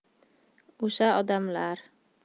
o'sha odamlar